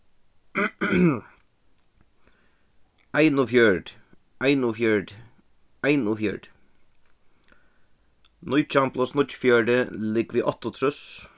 einogfjøruti einogfjøruti einogfjøruti nítjan pluss níggjuogfjøruti ligvið áttaogtrýss